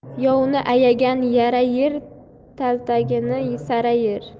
yovni ayagan yara yer kaltagini sara yer